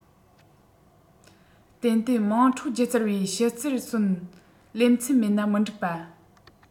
ཏན ཏན དམངས ཁྲོད སྒྱུ རྩལ པའི ཞིའི རྩེར སོན ལེ ཚན མེད ན མི འགྲིག པ